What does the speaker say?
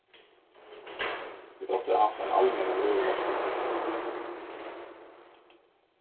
vit áttu at havt ein almennan veðurlagspolitikk